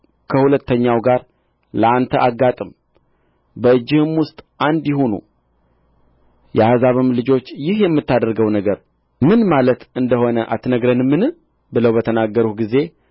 ከሁለተኛው ጋር ለአንተ አጋጥም በእጅህም ውስጥ አንድ ይሁኑ የሕዝብህም ልጆች ይህ የምታደርገው ነገር ምን ማለት እንደሆነ አትነግረንምን ብለው በተናገሩህ ጊዜ